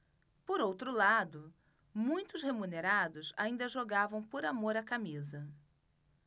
por outro lado muitos remunerados ainda jogavam por amor à camisa